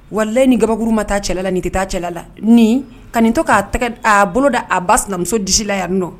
Walahi ni kabakuru ma taa cɛla la nin tɛ taa cɛla la. Nin! Ka nin to k'a tigɛ a bolo da a ba sinamuso disi la yan nɔ.